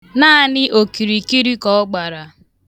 Naanị okirikiri ka ọ gbara.